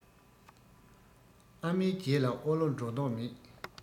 ཨ མའི རྗེས ལ ཨོ ལོ འགྲོ མདོག མེད